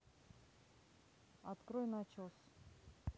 открой начос